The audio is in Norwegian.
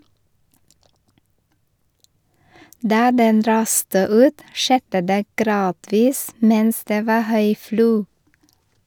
Da den raste ut, skjedde det gradvis mens det var høy flo.